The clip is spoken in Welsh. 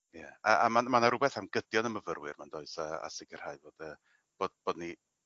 Ie. A a ma' ma' 'na rwbeth am gydio yn y myfyrwyr yma yndoes a a sicrhau bod yy bod bod ni